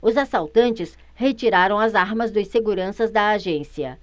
os assaltantes retiraram as armas dos seguranças da agência